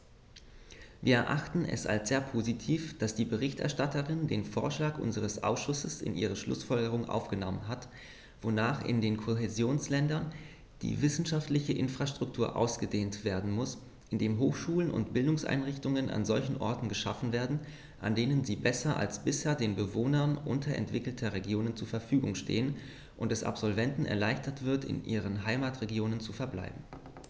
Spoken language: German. Wir erachten es als sehr positiv, dass die Berichterstatterin den Vorschlag unseres Ausschusses in ihre Schlußfolgerungen aufgenommen hat, wonach in den Kohäsionsländern die wissenschaftliche Infrastruktur ausgedehnt werden muss, indem Hochschulen und Bildungseinrichtungen an solchen Orten geschaffen werden, an denen sie besser als bisher den Bewohnern unterentwickelter Regionen zur Verfügung stehen, und es Absolventen erleichtert wird, in ihren Heimatregionen zu verbleiben.